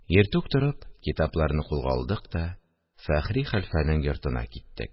Иртүк торып, китапларны кулга алдык та Фәхри хәлфәнең йортына киттек